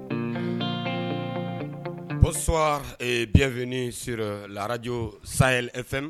Bos bifini sera larajo sanyfɛn